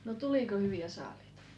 no tuliko hyviä saaliita